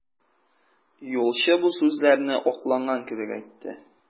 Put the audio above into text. Юлчы бу сүзләрне акланган кебек әйтте.